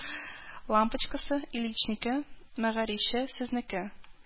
Лампочкасы Ильичнеке , мәгәриче сезнеке